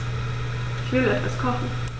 Ich will etwas kochen.